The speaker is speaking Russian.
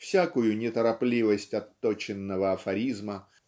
всякую неторопливость отточенного афоризма